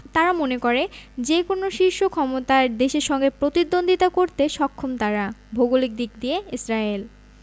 তারা মনে করে যেকোনো শীর্ষ ক্ষমতার দেশের সঙ্গে প্রতিদ্বন্দ্বিতা করতে সক্ষম তারা ভৌগোলিক দিক দিয়ে ইসরায়েল